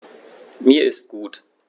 Mir ist gut.